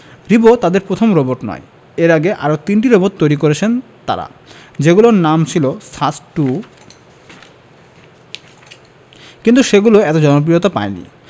রিবো তাদের প্রথম রোবট নয় এর আগে আরও তিনটি রোবট তৈরি করেছে তারা যেগুলোর নাম ছিল সাস্ট টু কিন্তু সেগুলো এত জনপ্রিয়তা পায়নি